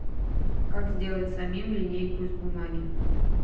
как сделать самим линейку из бумаги